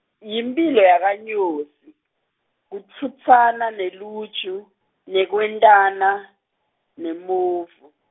yimphilo yakanyosi, kutfutsana neluju, nekwentana, nemovu.